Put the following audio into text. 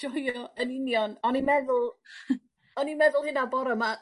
Joia yn union o'n i'n meddwl o'n i'n meddwl hynna bore 'ma.